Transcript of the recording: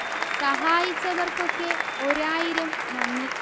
സഹായിച്ചവർക്കൊക്കെ ഒരായിരം നന്ദി